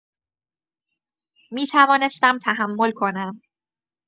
می‌توانستم تحمل کنم.